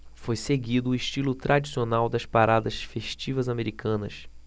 foi seguido o estilo tradicional das paradas festivas americanas